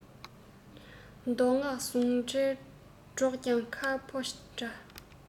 མདོ སྔགས ཟུང འབྲེལ སྒྲོག ཀྱང ཁ ཕོ འདྲ